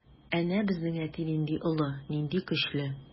Әнә безнең әти нинди олы, нинди көчле.